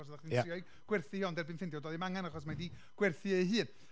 achos oeddech chdi'n trio... ia. ...ei gwerthu hi, ond erbyn ffeindio, doedd ddim angen achos mae 'di gwerthu ei hun.